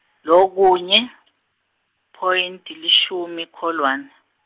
lokunye, point, lishumi, Kholwane.